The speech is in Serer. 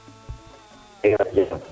nuun way no jam